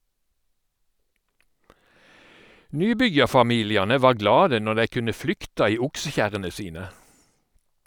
Nybyggjarfamiliane var glade når dei kunne flykta i oksekjerrene sine.